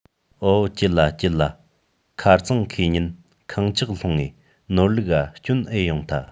འོ སྐིད ལ སྐྱིད ལ ཁ རྩང ཁེས ཉིན ཀར ཁངས ཆགས ལྷུང ངས ནོར ལུག ག སྐྱོན ཨེ ཡོང ཐལ